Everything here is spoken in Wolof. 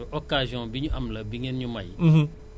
waaw donc dama ne wax dëgg Yàlla de tay